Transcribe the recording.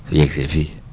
su yegg see fii